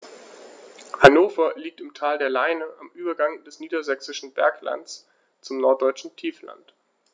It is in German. Hannover liegt im Tal der Leine am Übergang des Niedersächsischen Berglands zum Norddeutschen Tiefland.